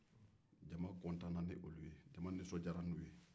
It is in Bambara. jama nisondiyara ni u ye